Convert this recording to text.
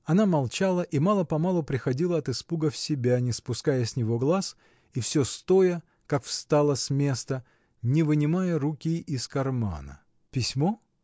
Она молчала и мало-помалу приходила от испуга в себя, не спуская с него глаз и всё стоя, как встала с места, не вынимая руки из кармана. — Письмо?